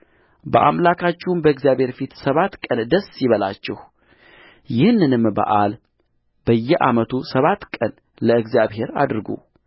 በአምላካችሁም በእግዚአብሔር ፊት ሰባት ቀን ደስ ይበላችሁይህንንም በዓል በየዓመቱ ሰባት ቀን ለእግዚአብሔር አድርጉ